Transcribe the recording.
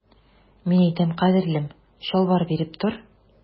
Мин әйтәм, кадерлем, чалбар биреп тор.